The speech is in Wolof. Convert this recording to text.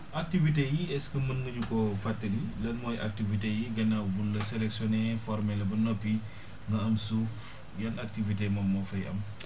activités yi est ce que mën nga ñu koo fàttali lan mooy activités yi gànnaaw ba mu la sellectionné former la ba noppi nga am suuf yan activité moom moo fay am